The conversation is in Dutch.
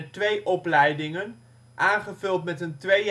twee opleidingen (aangevuld met een twee